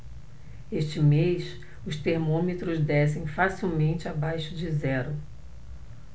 este mês os termômetros descem facilmente abaixo de zero